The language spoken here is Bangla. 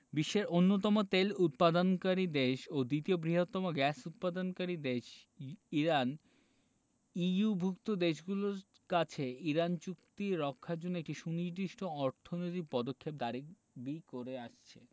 বিশ্বের অন্যতম তেল উৎপাদনকারী দেশ ও দ্বিতীয় বৃহত্তম গ্যাস উৎপাদনকারী দেশ ইরান ইইউভুক্ত দেশগুলোর কাছে ইরান চুক্তি রক্ষার জন্য একটি সুনির্দিষ্ট অর্থনৈতিক পদক্ষেপ দাবি করে আসছে